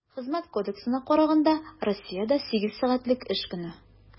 Хезмәт кодексына караганда, Россиядә сигез сәгатьлек эш көне.